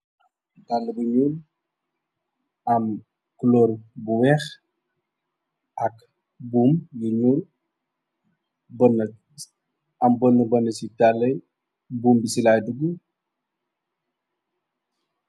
Dall bu ñul, am clor bu weex, ak buum yu ñul ,am bënn bana ci tàlle, buum bi ci laay duggu.